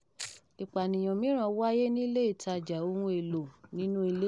Ìpànìyàn mìíràn wáyé ní ilé ìtaja-ohun-èlò-inú-ilé.